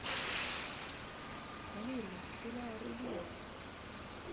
блин арсенал рубин